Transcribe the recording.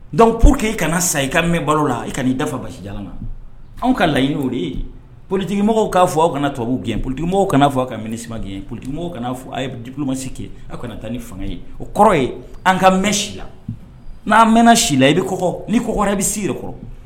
Dɔnkuc pour que e kana sa i ka mɛn balo la e ka'i dafa basida na anw ka layi o de ye politigiiginmɔgɔ k kaa fɔ aw kana tobabu gɛn politigimɔgɔw kana'a fɔ aw ka m si ma gɛn politigimɔgɔ kana'a fɔ aw ye kumasi kɛ aw kana taa ni fanga ye o kɔrɔ ye an ka mɛn si la n'an mɛn sila i bɛ kɔ n'i kɔ i bɛ sigi yɛrɛ kɔrɔ